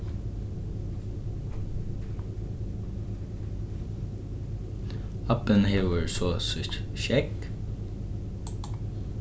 abbin hevur so sítt skegg